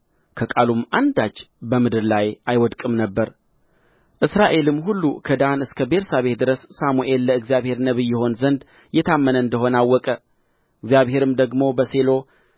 ከቃሉም አንዳች በምድር ላይ አይወድቀም ነበር እስራኤልም ሁሉ ከዳን እስከ ቤርሳቤህ ድረስ ሳሙኤል ለእግዚአብሔር ነቢይ ይሆን ዘንድ የታመነ እንደ ሆነ አወቀ እግዚአብሔርም ደግሞ በሴሎ